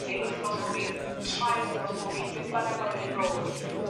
neu wthnos bob mis trair wthnos pob mis beth bynnag ma' fe' myn' i bod